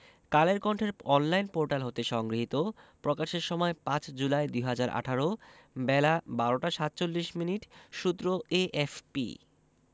কালের কন্ঠের online portal হতে সংগৃহীত প্রকাশের সময় ৫ জুলাই ২০১৮ বেলা ১২টা ৪৭ মিনিট সূত্র এএফপি